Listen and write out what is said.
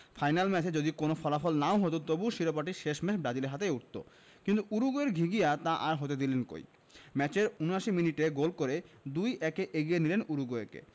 final ম্যাচে যদি কোনো ফলাফলও না হতো তবু শিরোপাটি শেষমেশ ব্রাজিলের হাতেই উঠত কিন্তু উরুগুয়ের ঘিঘিয়া তা আর হতে দিলেন কই ম্যাচের ৭৯ মিনিটে গোল করে ২ ১ এ এগিয়ে নিলেন উরুগুয়েকে